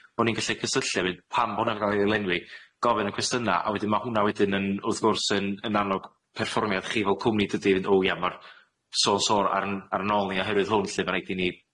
bo' ni'n gallu cysylltu a mynd pam bo' hwn'na'm yn ca'l 'i lenwi, gofyn y cwestyna', a wedyn ma' hwn'na wedyn yn, wrth gwrs yn- yn annog perfformiad chi fel cwmni dydi, i fynd Ww ia, ma'r so an' so a- ar 'yn- ar 'yn ôl ni oherwydd hwn lly. Ma' raid i ni